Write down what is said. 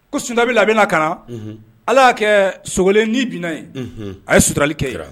Ko sunjata bi labɛ na ka ala ya kɛ sogolon ni binna yen. A ye suturali kɛ yen.